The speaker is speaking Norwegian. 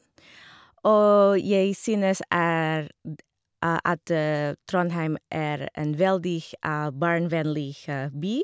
Og jeg synes er d at Trondheim er en veldig barnevennlig by.